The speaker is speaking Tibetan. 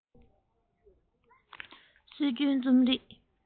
སྲོལ རྒྱུན རྩོམ རིག